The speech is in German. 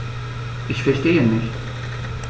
Ich verstehe nicht.